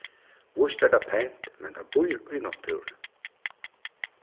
víst er tað pent men tað býr í náttúruni